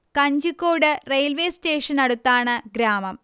Kanjikode railway സ്റ്റേഷനടുത്താണ് ഗ്രാമം